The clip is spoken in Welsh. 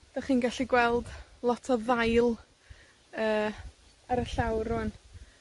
'Dych chi'n gallu gweld lot o ddail, yy, ar y llawr rŵan.